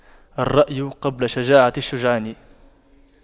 الرأي قبل شجاعة الشجعان